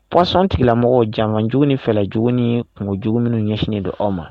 Psɔn tigilamɔgɔ jama jugu ni fɛ juguni kungo jugu minnu ɲɛsinnen don aw ma